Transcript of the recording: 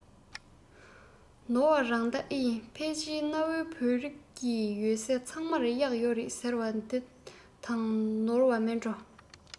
ནོར བ རང ད ཨེ ཡིན ཕལ ཆེར གནའ བོའི བོད རིགས ཡོད ས ཚང མར གཡག ཡོད རེད ཟེར བ དེ དང ནོར བ མིན འགྲོ